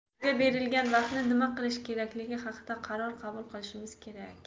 bizga berilgan vaqtni nima qilish kerakligi haqida qaror qabul qilishimiz kerak